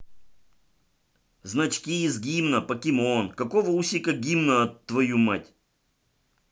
значки из гимна покемон какого усика гимна от твою мать